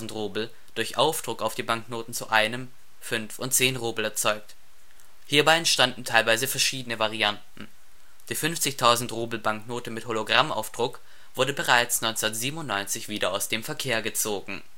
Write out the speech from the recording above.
Rubel durch Aufdruck auf die Banknoten zu 1, 5 und 10 Rubel erzeugt. Hierbei entstanden teilweise verschiedene Varianten. Die 50.000-Rubel-Banknote mit Hologrammaufdruck wurde bereits 1997 wieder aus dem Verkehr gezogen